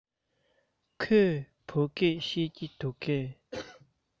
ཁོས བོད སྐད ཤེས ཀྱི འདུག གས